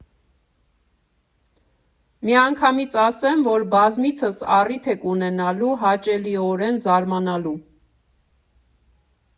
Միանգամից ասեմ, որ բազմիցս առիթ եք ունենալու հաճելիորեն զարմանալու։